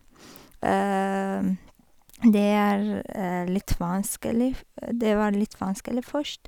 det er litt vanskelig f Det var litt vanskelig først.